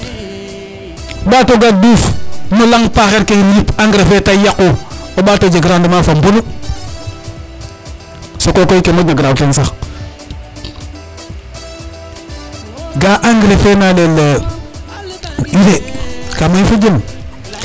mbato gar duuf no laŋ paxeer kene yip engrais fe te yaqu o ɓato jeg rendement fa mbonu sokokoy ke moƴ na graw ten sax ga a engrais fe na leyel urée ka may fojem